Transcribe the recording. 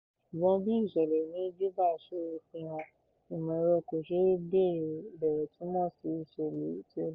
Ṣùgbọ́n, bí ìṣẹ̀lẹ̀ ní Juba ṣe fihàn, ìmọ̀-ẹ̀rọ kò ṣe bẹrẹ túmọ̀ sí ìṣèlú tí ó dára.